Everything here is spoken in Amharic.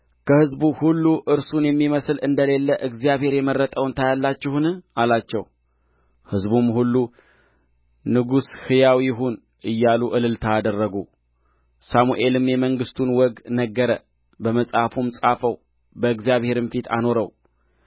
ከሕዝቡ ሁሉ እርሱን የሚመስል እንደሌለ እግዚአብሔር የመረጠውን ታያላችሁን አላቸው ሕዝቡም ሁሉ ንጉሥ ሕያው ይሁን እያሉ እልልታ አደረጉ ሳሙኤልም የመንግሥቱን ወግ ነገረ በመጽሐፍም ጻፈው በእግዚአብሔርም ፊት አኖረው